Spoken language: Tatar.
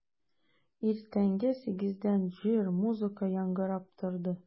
Иртәнге сигездән җыр, музыка яңгырап торды.